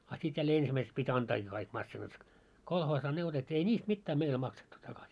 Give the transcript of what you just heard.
a sitten jälleen ensimmäiseksi piti antaakin kaikki masiinat kolhoosiin ne otettiin ei niistä mitään meillä maksettu takaisin